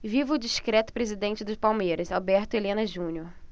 viva o discreto presidente do palmeiras alberto helena junior